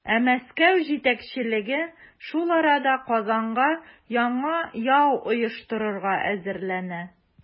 Ә Мәскәү җитәкчелеге шул арада Казанга яңа яу оештырырга әзерләнә.